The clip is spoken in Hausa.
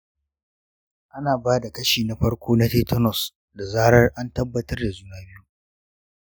ana ba da kashi na farko na tetanus da zarar an tabbatar da juna biyu.